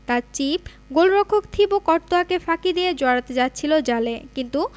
তাঁর চিপ গোলরক্ষক থিবো কর্তোয়াকে ফাঁকি দিয়ে জড়াতে যাচ্ছিল জালে কিন্তু